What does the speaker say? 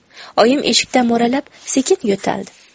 oyim eshikdan mo'ralab sekin yo'taldi